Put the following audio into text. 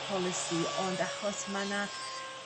polisi ond achos ma' 'na